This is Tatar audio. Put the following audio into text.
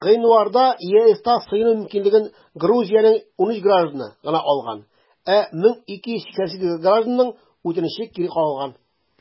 Гыйнварда ЕСта сыену мөмкинлеген Грузиянең 13 гражданы гына алган, ә 1288 гражданның үтенече кире кагылган.